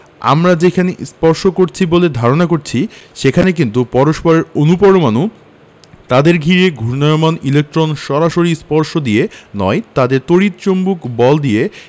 আমরা যেখানে স্পর্শ করছি বলে ধারণা করছি সেখানে কিন্তু পরস্পরের অণু পরমাণু তাদের ঘিরে ঘূর্ণায়মান ইলেকট্রন সরাসরি স্পর্শ দিয়ে নয় তাদের তড়িৎ চৌম্বক বল দিয়ে